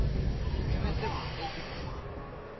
Кем эте бу, әйтегез